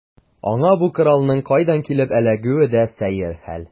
Аңа бу коралның кайдан килеп эләгүе дә сәер хәл.